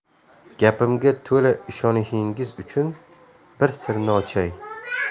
gapimga to'la ishonishingiz uchun bir sirni ochay